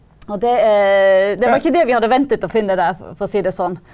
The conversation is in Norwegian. og det det var ikke det vi hadde ventet å finne der for å si det sånn.